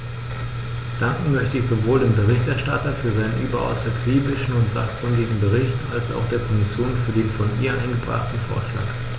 Danken möchte ich sowohl dem Berichterstatter für seinen überaus akribischen und sachkundigen Bericht als auch der Kommission für den von ihr eingebrachten Vorschlag.